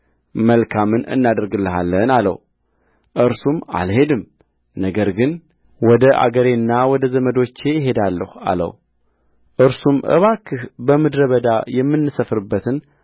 መልካምን እናደርግልሃለን አለውእርሱም አልሄድም ነገር ግን ወደ አገሬና ወደ ዘመዶቼ እሄዳለሁ አለውእርሱም እባክህ በምድረ በዳ የምንሰፍርበትን